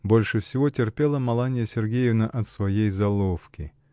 Больше всего терпела Маланья Сергеевна от своей золовки.